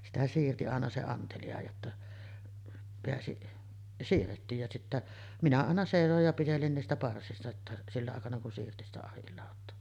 sitä siirsi aina se antelija jotta pääsi siirrettiin ja sitten minä aina seisoin ja pitelin niistä parsista jotta sillä aikana kun siirsi sitä ahdinlautaa